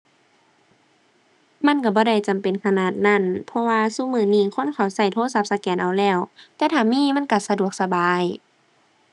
มันก็บ่ได้จำเป็นขนาดนั้น เพราะว่าซุมื้อนี้คนเขาก็โทรศัพท์สแกนเอาแล้ว แต่ถ้ามีมันก็สะดวกสบาย